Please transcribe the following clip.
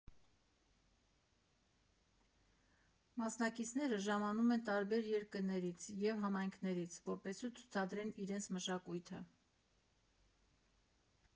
Մասնակիցները ժամանում են տարբեր երկրներից և համայնքներից, որպեսզի ցուցադրեն իրենց մշակույթը։